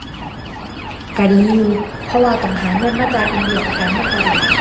ก็ดีอยู่ เพราะว่าต้องหาเงินมาจ่ายเป็นเบี้ยประกันมันต่อเดือน